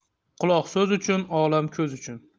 quloq so'z uchun olam ko'z uchun